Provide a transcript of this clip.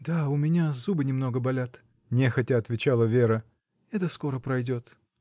— Да, у меня зубы немного болят, — нехотя отвечала Вера. — Это скоро пройдет.